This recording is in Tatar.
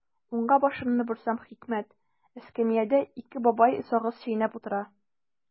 Уңга башымны борам– хикмәт: эскәмиядә ике бабай сагыз чәйнәп утыра.